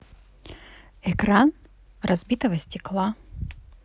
экран разбитого стекла